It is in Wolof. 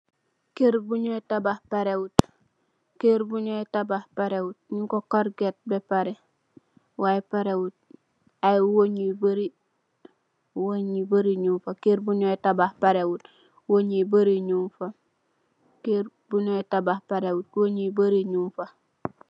Kerr bou nyoi tabahk parre woul nyungko korget waye parre wut